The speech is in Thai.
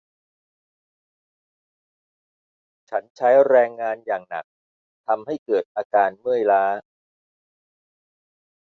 ฉันใช้แรงงานอย่างหนักทำให้เกิดอาการเมื่อยล้า